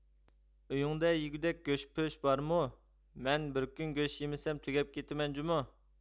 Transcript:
ئۆيۈڭدە يېگۈدەك گۆش پۆش بارمۇ مەن بىر كۈن گۆش يېمىسەم تۈگەپ كېتىمەن جۇمۇ